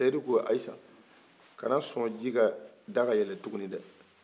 seyidu ko ayisa kana son da ka yɛlɛ tuguni dɛ